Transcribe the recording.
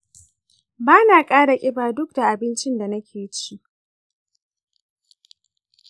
bana ƙara ƙiba duk da abincin da nake ci.